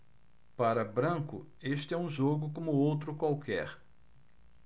para branco este é um jogo como outro qualquer